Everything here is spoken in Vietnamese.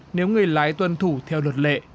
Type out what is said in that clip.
nếu người lái tuân thủ theo luật lệ